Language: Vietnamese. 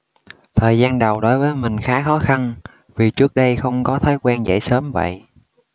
thời gian đầu đối với mình khá khó khăn vì trước đây không có thói quen dậy sớm vậy